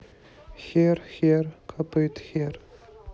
хер хер капает хер